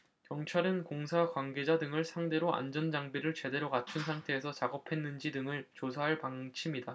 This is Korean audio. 경찰은 공사 관계자 등을 상대로 안전장비를 제대로 갖춘 상태에서 작업했는지 등을 조사할 방침이다